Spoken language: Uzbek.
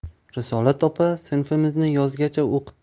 risolat opa sinfimizni yozgacha